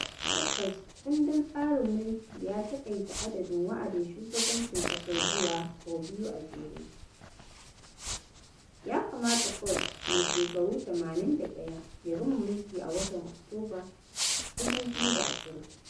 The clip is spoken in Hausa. Tabbas kundin tsarin mulki ya taƙaita adadin wa’adin shugabancin ƙasar zuwa sau biyu a jere. Ya kamata Code, mai shekaru 81, ya gama mulki a watan Oktoba 2020